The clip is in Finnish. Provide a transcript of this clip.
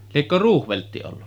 liekö Brofeldt ollut